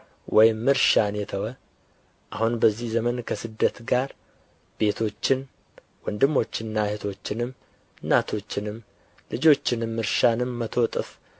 ወይም እርሻን የተወ አሁን በዚህ ዘመን ከስደት ጋር ቤቶችን ወንድሞችንና እኅቶችንም እናቶችንም ልጆችንም እርሻንም መቶ እጥፍ